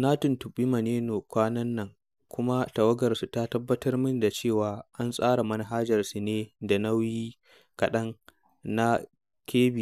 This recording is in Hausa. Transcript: Na tuntuɓi Maneno kwanan nan, kuma tawagarsu ta tabbatar mini cewa An tsara manhajarsu ne da nauyi kaɗan na 13 kb